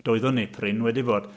Doeddwn i prin wedi bod.